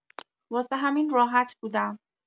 واسه همین راحت بودم.